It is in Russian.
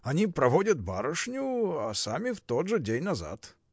Они проводят барышню, а сами в тот же день назад.